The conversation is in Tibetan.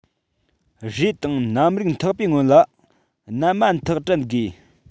རས དང སྣམ རིགས འཐག པའི སྔོན ལ སྣལ མ ཐགས བྲན དགོས